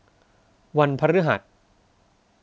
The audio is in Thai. วันพฤหัส